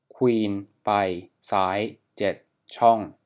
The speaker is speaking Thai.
ควีนไปซ้ายเจ็ดช่อง